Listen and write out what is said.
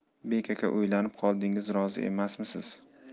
bek aka o'ylanib qoldingiz rozi emasmisiz